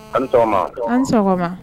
Anɔgɔma an sɔgɔma